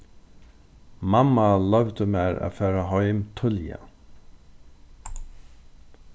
mamma loyvdi mær at fara heim tíðliga